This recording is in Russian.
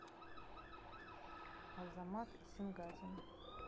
азамат исенгазин